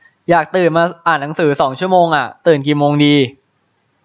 อยากตื่นมาอ่านหนังสือสองชั่วโมงอะตื่นกี่โมงดี